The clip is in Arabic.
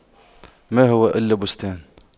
ما هو إلا بستان